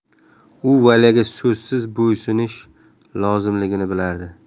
u valyaga so'zsiz bo'ysunishi lozimligini bilardi